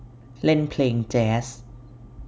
เล่นเพลงแจ๊ส